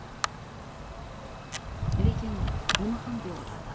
lekin nima ham deya olardim